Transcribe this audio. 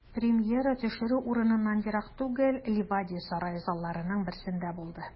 Премьера төшерү урыныннан ерак түгел, Ливадия сарае залларының берсендә булды.